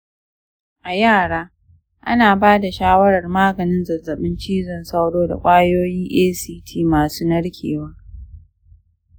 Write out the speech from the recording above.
a yara, ana ba da shawarar maganin zazzaɓin cizon sauro da ƙwayoyin act masu narkewa